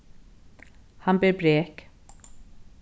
hann ber brek